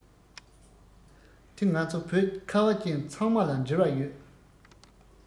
དེ ང ཚོ བོད ཁ བ ཅན ཚང མ ལ འབྲེལ བ ཡོད